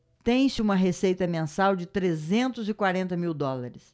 tem-se uma receita mensal de trezentos e quarenta mil dólares